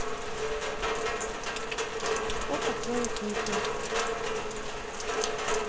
что такое пифы